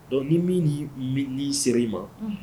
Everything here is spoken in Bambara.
Dɔnkuc ni min n'i sera i ma